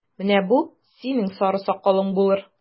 Менә бу синең сары сакалың булыр!